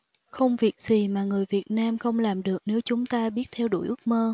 không việc gì mà người việt nam không làm được nếu chúng ta biết theo đuổi ước mơ